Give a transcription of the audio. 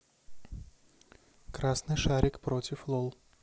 красный шарик против лол